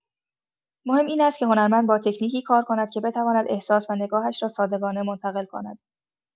مهم این است که هنرمند با تکنیکی کار کند که بتواند احساس و نگاهش را صادقانه منتقل کند.